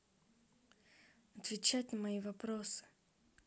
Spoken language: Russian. отвечать на мои вопросы